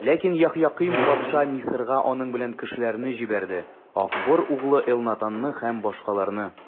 Ләкин Яһоякыйм патша Мисырга аның белән кешеләрне җибәрде: Ахбор углы Элнатанны һәм башкаларны.